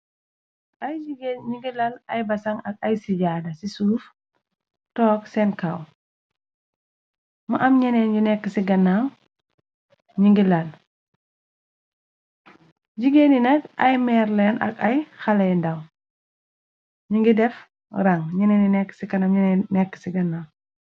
Ay jigéen ñi ngi lal ay basaŋg ak ay sajaada ci suuf, toog sen kaw, mu am ñeneen nyu nekka si gannaaw nyu ngi lal, jigéen yi nak ay mère lenj ak ay xale yu ndaw, ñu ngi def rang, ñeneen yu nekk ci kanam, ñeneen nekk ci gannaw.